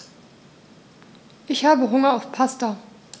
Ich habe Hunger auf Pasta.